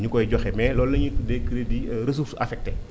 ñu koy joxe mais loolu la ñuy tuddee crédit ressource affecté